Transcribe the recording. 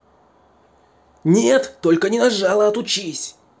нет только не нажала отучись